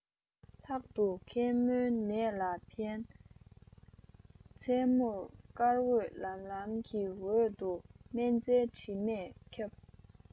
ལྷག ཏུ མཁལ མའི ནད ལ ཕན མཚན མོར སྐར འོད ལམ ལམ གྱི འོག ཏུ སྨན རྩྭའི དྲི མས ཁྱབ